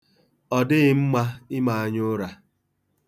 Ọ dịghị mma ime anyaụra.